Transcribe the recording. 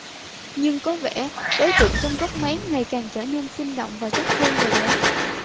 nhưng có vẻ đối tượng trong góc máy ngày càng trở nên sinh động và chất hơn rồi đấy